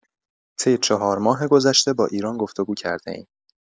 طی چهار ماه گذشته با ایران گفتگو کرده‌ایم.